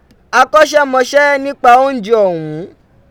Akọṣẹ mọṣẹ nipa ounjẹ ọhun.